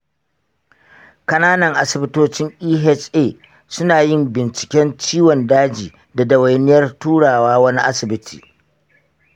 ƙananan asibitocin eha su na yin binciken ciwon daji da ɗawainiyar turawa wani asibiti.